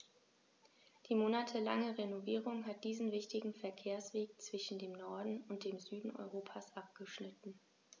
Die monatelange Renovierung hat diesen wichtigen Verkehrsweg zwischen dem Norden und dem Süden Europas abgeschnitten.